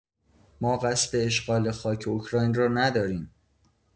ما قصد اشغال خاک اوکراین را نداریم.